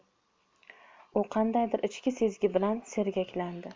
u qandaydir ichki sezgi bilan sergaklandi